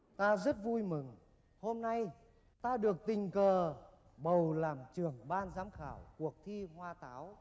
ta rất vui mừng hôm nay ta được tình cờ bầu làm trưởng ban giám khảo cuộc thi hoa táo